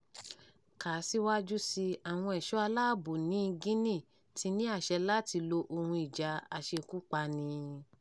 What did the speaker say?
Kà síwájú sí i: Àwọn ẹ̀ṣọ́ aláàbò ní Guinea ti ní àṣẹ láti lo ohun ìjà aṣekúpani